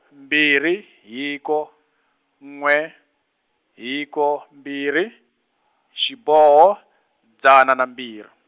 mbirhi hiko, n'we, hiko mbirhi , xiboho, dzana na mbirhi.